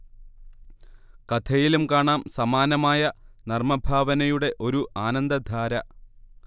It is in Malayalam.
കഥയിലും കാണാം സമാനമായ നർമഭാവനയുടെ ഒരു ആനന്ദധാര